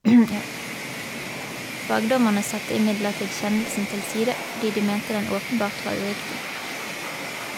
Fagdommerne satte imidlertid kjennelsen til side, fordi de mente den åpenbart var uriktig.